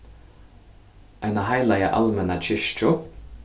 eina heilaga almenna kirkju